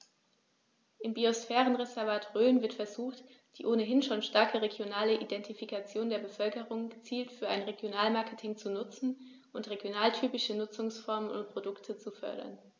Im Biosphärenreservat Rhön wird versucht, die ohnehin schon starke regionale Identifikation der Bevölkerung gezielt für ein Regionalmarketing zu nutzen und regionaltypische Nutzungsformen und Produkte zu fördern.